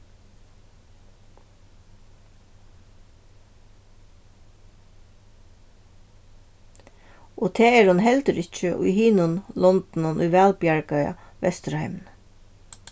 og tað er hon heldur ikki í hinum londunum í vælbjargaða vesturheiminum